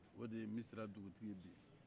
o de ye misira dugutigi ye bi